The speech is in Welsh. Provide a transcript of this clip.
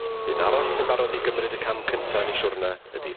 Un arall sy'n barod i gymryd y cam cynta yn 'i siwrne ydi...